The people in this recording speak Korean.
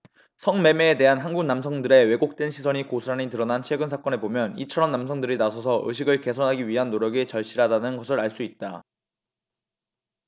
성 매매에 대한 한국 남성들의 왜곡된 시선이 고스란히 드러난 최근 사건을 보면 이처럼 남성들이 나서서 의식을 개선하기 위한 노력이 절실하다는 것을 알 수 있다